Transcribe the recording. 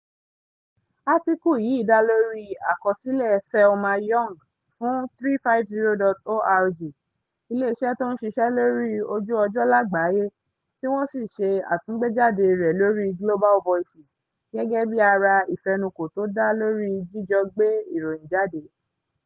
Átíkù yíì dá lórí akọsílẹ̀ Thelma Young fún 350.org, iléeṣẹ́ tó ń ṣiṣẹ́ lóri ojú ọjọ́ làgbàáyé, tí wọ́n sí ṣe àtúngbéjáde rẹ̀ lóri Global Voices gẹ́gẹ́ bi ara ìfẹ́nukò tó dá lórí jíjọ gbé iròyìn jáde.